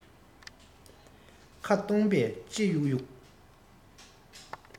ཁ སྟོང པས ལྕེ ཡུག ཡུག